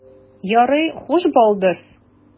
Ярый, хуш, балдыз.